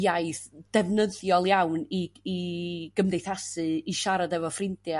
iaith defnyddiol iawn i i gymdeithasu i siarad efo ffrindia'